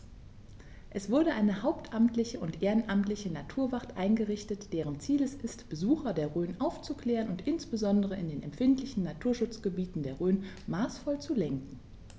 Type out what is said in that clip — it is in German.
Es wurde eine hauptamtliche und ehrenamtliche Naturwacht eingerichtet, deren Ziel es ist, Besucher der Rhön aufzuklären und insbesondere in den empfindlichen Naturschutzgebieten der Rhön maßvoll zu lenken.